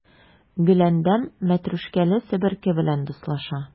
Гөләндәм мәтрүшкәле себерке белән дуслаша.